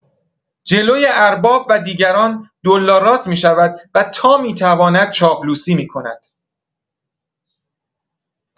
جلوی ارباب و دیگران دولاراست می‌شود و تا می‌تواند چاپلوسی می‌کند.